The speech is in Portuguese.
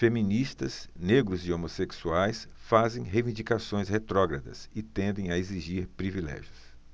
feministas negros e homossexuais fazem reivindicações retrógradas e tendem a exigir privilégios